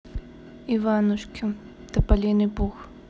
иванушки тополиный пух